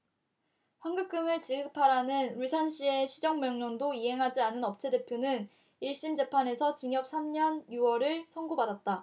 환급금을 지급하라는 울산시의 시정명령도 이행하지 않은 업체대표는 일 심 재판에서 징역 삼 년 유 월을 선고받았다